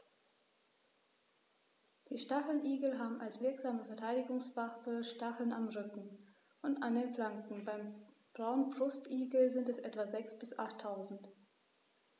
Die Stacheligel haben als wirksame Verteidigungswaffe Stacheln am Rücken und an den Flanken (beim Braunbrustigel sind es etwa sechs- bis achttausend).